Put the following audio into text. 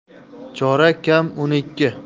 chorak kam o'n ikki